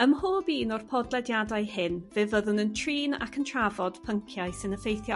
Ym mhob un o'r podlediadau hyn fe fyddwn yn trin ac yn trafod pynciau sy'n effeithio